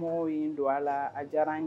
Somɔgɔw ye n don a la, a diyara n ye.